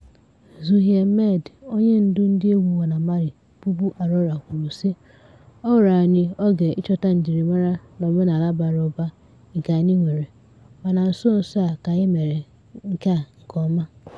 Zouheir Mejd, onyendu ndịegwu Wana Mali (bụbu Aurora) kwuru, sị: "O were anyị oge ịchọta njirimara n'omenala bara ụba nke anyị nwere, mana nso nso a ka anyị mere nke a nke ọma."